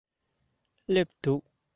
སླེབས འདུག